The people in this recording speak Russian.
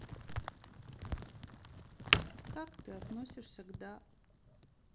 как ты относишься к да